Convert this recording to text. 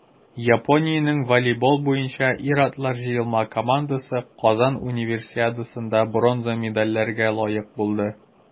Япониянең волейбол буенча ир-атлар җыелма командасы Казан Универсиадасында бронза медальләргә лаек булды.